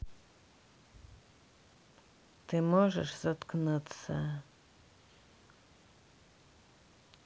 ты можешь заткнуться